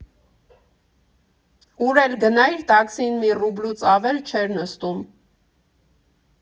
Ուր էլ գնայիր, տաքսին մի ռուբլուց ավել չէր նստում։